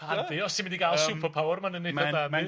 Handi os ti mynd i ga'l super power ma' nw'n un